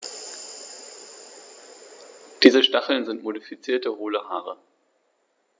Diese Stacheln sind modifizierte, hohle Haare.